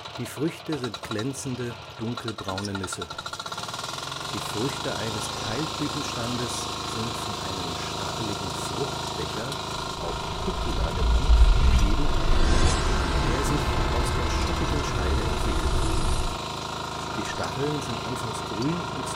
glänzende, dunkelbraune Nüsse. Die Früchte eines Teilblütenstandes sind von einem stacheligen Fruchtbecher (Cupula) umgeben, der sich aus der schuppigen Scheide entwickelt. Die Stacheln sind anfangs grün und